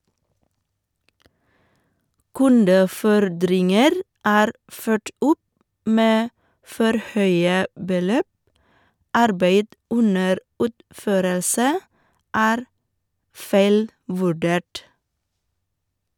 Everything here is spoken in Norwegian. Kundefordringer er ført opp med for høye beløp, arbeid under utførelse er feilvurdert.